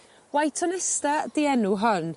White anista 'di enw hon.